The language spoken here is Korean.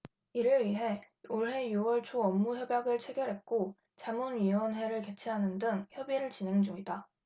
이를 위해 올해 유 월 초 업무협약을 체결했고 자문위원회를 개최하는 등 협의를 진행 중이다